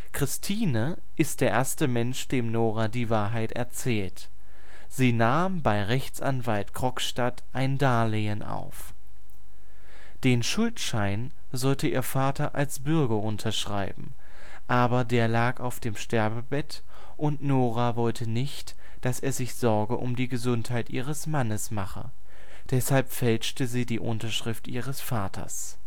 Christine ist der erste Mensch, dem Nora die Wahrheit erzählt: Sie nahm bei Rechtsanwalt Krogstad ein Darlehen auf. Den Schuldschein sollte ihr Vater als Bürge unterschreiben. Aber der lag auf dem Sterbebett, und Nora wollte nicht, dass er sich Sorgen um die Gesundheit ihres Mannes mache. Deshalb fälschte sie die Unterschrift ihres Vaters